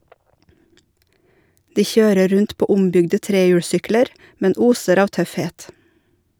De kjører rundt på ombygde trehjulssykler, men oser av tøffhet.